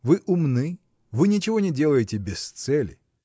Вы умны, -- вы ничего не делаете без цели.